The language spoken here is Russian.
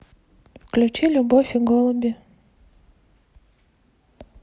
включи любовь и голуби